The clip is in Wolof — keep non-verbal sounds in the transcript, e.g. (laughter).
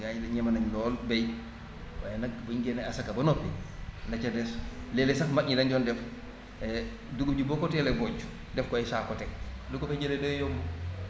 gars yi ñeme nañ lool bay waaye nag bu ñu génnee asaka ba noppi la ca des léeg-léeg sax mag ñi dañ doon def (hesitation) dugub ji boo ko teelee bojj def ko ay saako teg lu ko fay jëlee day yomb